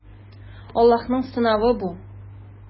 Аллаһның сынавы бу.